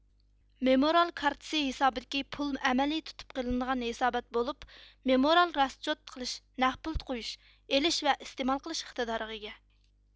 مېمورال كارتىسى ھېسابىدىكى پۇل ئەمەلىي تۇتۇپ قېلىنىدىغان ھېسابات بولۇپ مېمورال راسچوت قىلىش نەق پۇل قويۇش ئېلىش ۋە ئىستېمال قىلىش ئىقتىدارىغا ئىگە